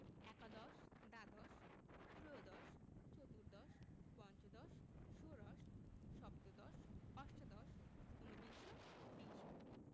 একাদশ দ্বাদশ ত্ৰয়োদশ চতুর্দশ পঞ্চদশ ষোড়শ সপ্তদশ অষ্টাদশ উনবিংশ বিংশ